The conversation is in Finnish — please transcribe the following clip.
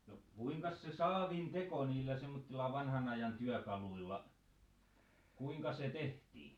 no kuinkas se saavin teko niillä semmoisilla vanhan ajan työkaluilla kuinka se tehtiin